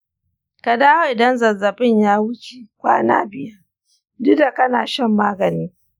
ka dawo idan zazzabin ya wuce kwana biyar, duk da kana shan magani.